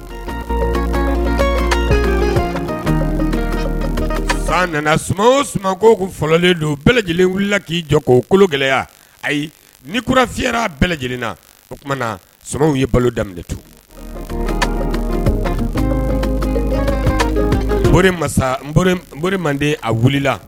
San nana sumaworoman suman fɔlɔlen don bɛɛ lajɛlen wili k'i jɔ ko kolo gɛlɛ ayi ni kurafinyara bɛɛ lajɛlen na omanw ye balo daminɛtu mori mande a wulila